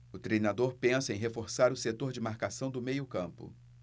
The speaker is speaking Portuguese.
o treinador pensa em reforçar o setor de marcação do meio campo